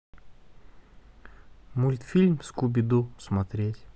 мультфильм скуби ду смотреть